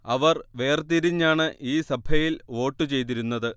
അവർ വേർ തിരിഞ്ഞാണ് ഈ സഭയിൽ വോട്ടു ചെയ്തിരുന്നത്